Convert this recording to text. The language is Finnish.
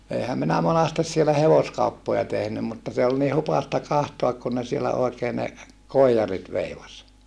eihän minä monasti siellä hevoskauppoja tehnyt mutta se oli niin hupaista katsoa kun ne siellä oikein ne koijarit veivasi